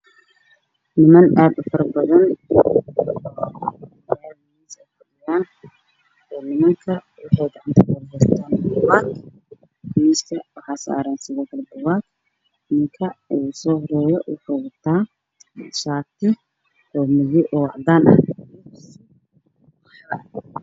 Waa niman fara badan oo miis ku wareegsan kuraas wareeg bay ku jiraan waxay qaadaan shaati isu-waallo waxay gacanta ku heystaan warqado